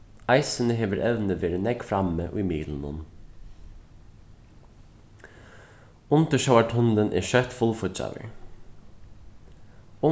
eisini hevur evnið verið nógv frammi í miðlunum undirsjóvartunnilin er skjótt fullfíggjaður